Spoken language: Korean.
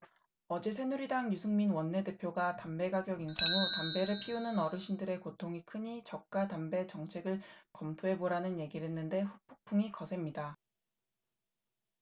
어제 새누리당 유승민 원내대표가 담배가격 인상 후 담배를 피우는 어르신들의 고통이 크니 저가담배 정책을 검토해보라는 얘길 했는데 후폭풍이 거셉니다